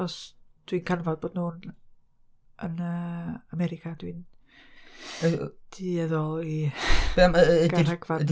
Os dwi'n canfod bod nhw'n yn yy America dwi'n dueddol i gael rhagfarn.